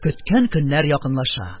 Көткән көннәр якынлаша.